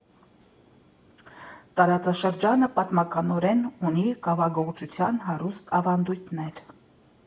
Տարածաշրջանը պատմականորեն ունի կավագործության հարուստ ավանդույթներ։